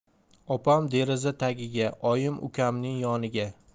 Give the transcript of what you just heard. opam deraza tagiga oyim ukamning yoniga